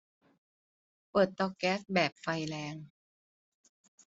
เปิดเตาแก๊สแบบไฟแรง